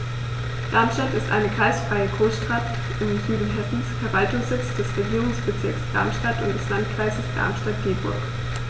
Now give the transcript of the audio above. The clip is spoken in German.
Darmstadt ist eine kreisfreie Großstadt im Süden Hessens, Verwaltungssitz des Regierungsbezirks Darmstadt und des Landkreises Darmstadt-Dieburg.